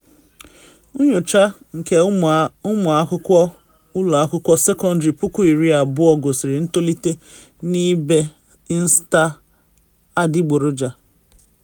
Nyocha nke ụmụ akwụkwọ ụlọ akwụkwọ sekọndịrị 20,000 gosiri ntolite n’ibe “Insta adịgboroja”